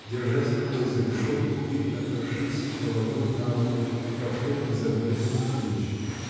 держась рукой за решетку и опершись головой на руку как в тот незабвенный вечер.